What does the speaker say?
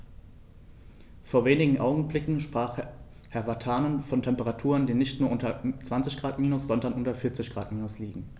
Vor wenigen Augenblicken sprach Herr Vatanen von Temperaturen, die nicht nur unter 20 Grad minus, sondern unter 40 Grad minus liegen.